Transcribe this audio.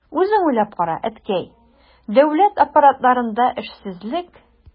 Үзең уйлап кара, әткәй, дәүләт аппаратларында эшсезлек...